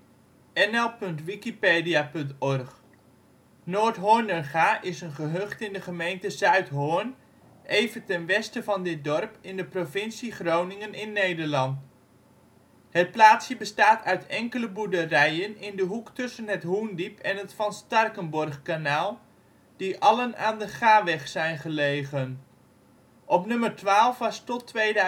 53° 15′ 5″ NB, 6° 22′ 13″ OL Noordhornerga is een gehucht in de gemeente Zuidhorn even ten westen van dit dorp in de provincie Groningen (Nederland). Het plaatsje bestaat uit enkele boerderijen in de hoek tussen het Hoendiep en het Van Starkenborghkanaal, die allen aan de Gaweg zijn gelegen. Op nr. 12 was tot 2007